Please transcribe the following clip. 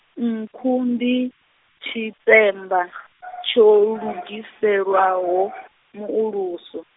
nkhu ndi, tshitemba, tsho lugiselwaho, muuluso.